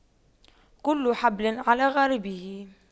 كل حبل على غاربه